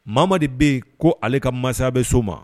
Mama de bɛ yen ko ale ka mansaya bɛ so ma